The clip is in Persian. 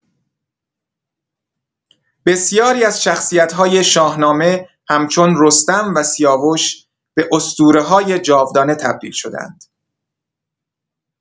بسیاری از شخصیت‌های شاهنامه همچون رستم و سیاوش به اسطوره‌های جاودانه تبدیل شده‌اند.